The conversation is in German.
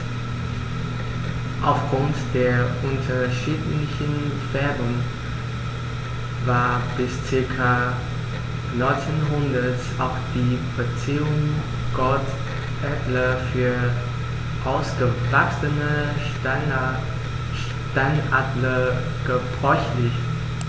Auf Grund der unterschiedlichen Färbung war bis ca. 1900 auch die Bezeichnung Goldadler für ausgewachsene Steinadler gebräuchlich.